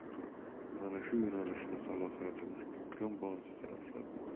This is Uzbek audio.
mana shu yo'nalishda salohiyatimni imkon boricha